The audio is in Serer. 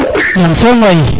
jam soom waay